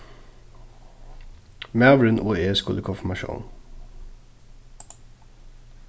maðurin og eg skulu í konfirmatión